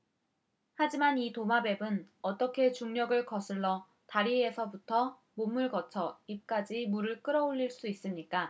하지만 이 도마뱀은 어떻게 중력을 거슬러 다리에서부터 몸을 거쳐 입까지 물을 끌어 올릴 수 있습니까